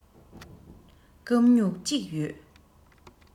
སྐམ སྨྱུག གཅིག ཡོད